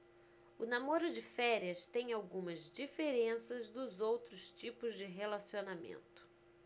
o namoro de férias tem algumas diferenças dos outros tipos de relacionamento